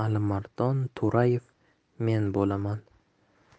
alimardon to'rayev men bo'laman